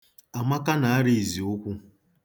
Amaka na-arịa iziụkwụ.